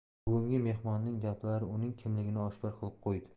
bugungi mehmonning gaplari uning kimligini oshkor qilib qo'ydi